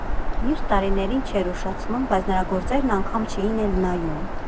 Մյուս տարիներին չէր ուշացնում, բայց նրա գործերն անգամ չէին էլ նայում։